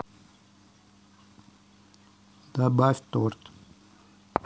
добавь торт